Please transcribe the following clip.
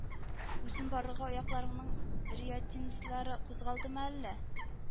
- үзен барырга аякларыңның рииатнзлары кузгалдымы әллә? -